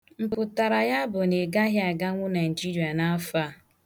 Mpụtara ya bụ na ị gaghị aganwu Naịjiria n'afọ a.